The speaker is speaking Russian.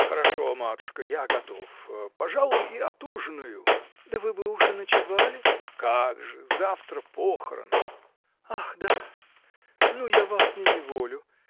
– Хорошо, матушка, я готов: пожалуй, и отужинаю. – Да вы бы уж и ночевали. – Как же: завтра похороны! – Ах, да! Ну, я вас не неволю.